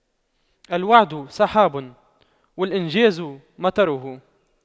الوعد سحاب والإنجاز مطره